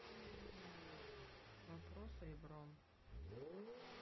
вопрос ребром